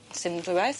Sim dwywaith.